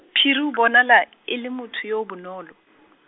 Phiri o bonala, e le motho yo o bonolo.